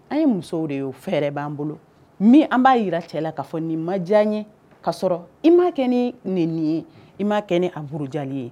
An ye musow de ye fɛɛrɛ b'an bolo min, an b'a jira cɛ la k'a fɔ ni ma diya ye, ka sɔrɔ i m'a kɛ ni a nɛni ye, i ma kɛ ni a burujali ye.